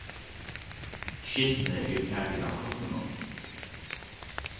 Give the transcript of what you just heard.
skinnið er farið av kroppinum